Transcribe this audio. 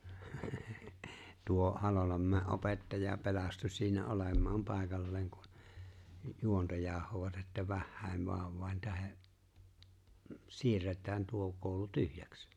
tuo Halolanmäen opettaja pelastui siinä olemaan paikalleen kun juonta jauhoivat että vähien vauvojen tähden siirretään tuo koulu tyhjäksi